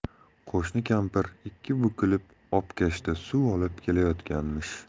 qo'shni kampir ikki bukilib obkashda suv olib ketayotganmish